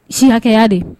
Sicɛya de